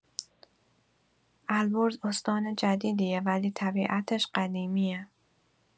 البرز استان جدیدیه ولی طبیعتش قدیمیه.